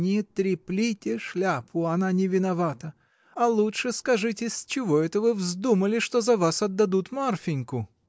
— Не треплите шляпу: она не виновата, а лучше скажите, с чего это вы вздумали, что за вас отдадут Марфиньку?